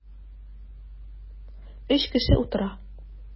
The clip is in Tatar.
Өч кеше утыра.